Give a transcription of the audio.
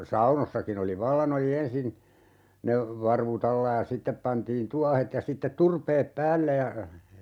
saunoissakin oli vallan oli ensin ne varvut alla ja sitten pantiin tuohet ja sitten turpeet päälle ja